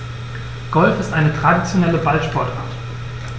Golf ist eine traditionelle Ballsportart.